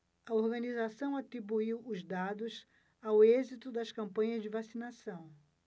a organização atribuiu os dados ao êxito das campanhas de vacinação